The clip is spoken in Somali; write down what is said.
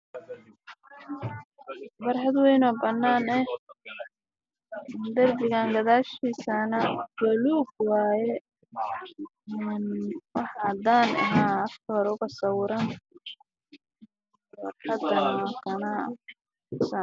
Waa diyaarad midabkeedu yahay caddaan